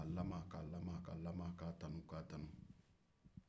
k'a lamaga k'a lamaga k'a tanu k'a tanu